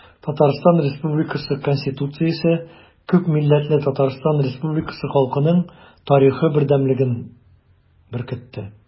Татарстан Республикасы Конституциясе күпмилләтле Татарстан Республикасы халкының тарихы бердәмлеген беркетте.